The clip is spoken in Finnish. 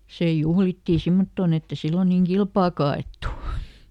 se juhlittiin semmottoon että ei silloin niin kilpaakaan ajettu